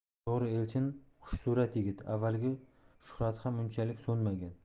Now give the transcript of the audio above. to'g'ri elchin xushsurat yigit avvalgi shuhrati ham unchalik so'nmagan